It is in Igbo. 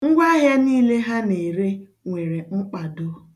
Ngwa ahịa niile ha na-ere nwere mkpado.